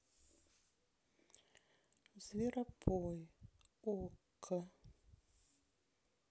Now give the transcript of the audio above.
зверопой окко